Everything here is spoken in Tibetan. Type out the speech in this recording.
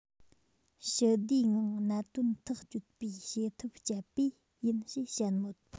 ཞི བདེའི ངང གནད དོན ཐག གཅོད པའི བྱེད ཐབས སྤྱད པས ཡིན ཞེས བཤད མོད